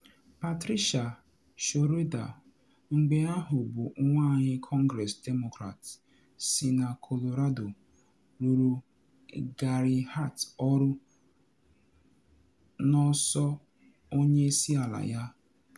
Patricia Schroeder, mgbe ahụ bụ nwanyị kọngress Demokrat si na Colorado, rụụrụ Gary Hart ọrụ n’ọsọ onye isi ala ya.